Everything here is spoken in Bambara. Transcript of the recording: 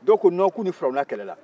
dɔw ko non k'u ni farawuna kɛlɛla